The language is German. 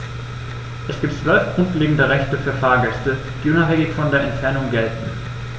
Es gibt 12 grundlegende Rechte für Fahrgäste, die unabhängig von der Entfernung gelten.